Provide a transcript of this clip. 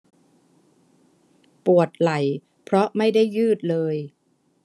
ปวดไหล่เพราะไม่ได้ยืดเลย